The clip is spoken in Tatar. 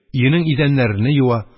Өенең идәннәрене юа,